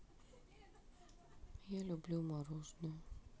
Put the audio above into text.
я люблю мороженое